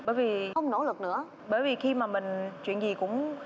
bởi vì không nỗ lực nữa bởi vì khi mà mình chuyện gì cũng